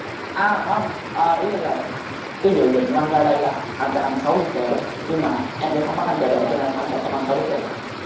à không ý anh là cái dự định của anh ra đây là anh sẽ ăn sáu ly chè nhưng mà em sẽ không bắt anh chờ đợi cho nên anh sẽ không ăn sáu ly chè